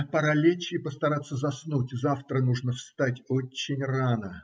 Пора лечь и постараться заснуть; завтра нужно встать очень рано.